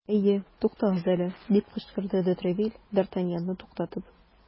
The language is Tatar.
Әйе, тукагыз әле! - дип кычкырды де Тревиль, д ’ Артаньянны туктатып.